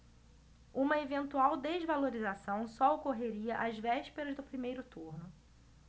uma eventual desvalorização só ocorreria às vésperas do primeiro turno